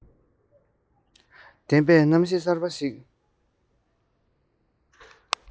ལྡན པའི རྣམ ཤེས གསར པ ཞིག